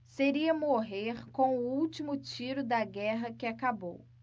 seria morrer com o último tiro da guerra que acabou